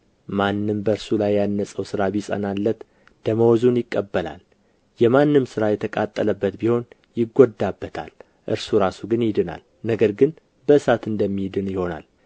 ማንም በእርሱ ላይ ያነጸው ሥራ ቢጸናለት ደመወዙን ይቀበላል የማንም ሥራ የተቃጠለበት ቢሆን ይጎዳበታል እርሱ ራሱ ግን ይድናል ነገር ግን በእሳት እንደሚድን ይሆናል